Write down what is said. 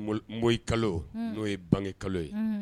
Mɔ kalo n'o ye bange kalo ye